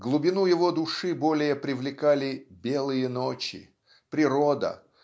Глубину его души более привлекали "белые ночи", природа,